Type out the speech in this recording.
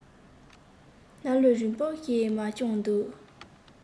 སྣ ལུད རིང པོ ཞིག མར དཔྱངས འདུག